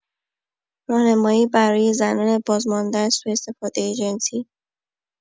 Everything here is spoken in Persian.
راهنمایی برای زنان بازمانده از سوءاستفاده جنسی